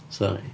Sori.